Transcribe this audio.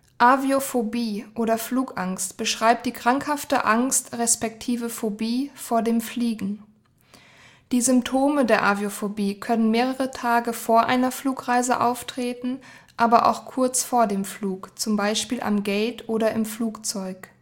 Aviophobie oder Flugangst beschreibt die krankhafte Angst respektive Phobie vor dem Fliegen. Die Symptome der Aviophobie können mehrere Tage vor einer Flugreise auftreten, aber auch kurz vor dem Flug, z. B. am Gate oder im Flugzeug